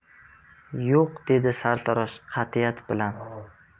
yo'q dedi sartarosh qatiyat bilan